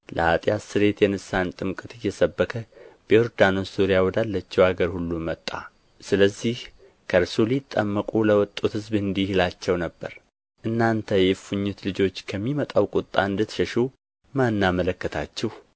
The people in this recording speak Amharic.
ለኃጢአት ስርየት የንስሐን ጥምቀት እየሰበከ በዮርዳኖስ ዙሪያ ወዳለችው አገር ሁሉ መጣ ስለዚህ ከእርሱ ሊጠመቁ ለወጡት ሕዝብ እንዲህ ይላቸው ነበር እናንተ የእፉኝት ልጆች ከሚመጣው ቍጣ እንድትሸሹ ማን አመለከታችሁ